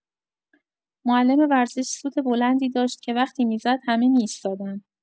معلم ورزش سوت بلندی داشت که وقتی می‌زد همه می‌ایستادن.